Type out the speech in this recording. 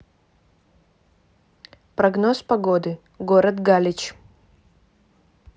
прогноз погоды город галич